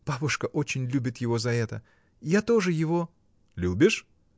Бабушка очень любит его за это. Я тоже его. — Любишь?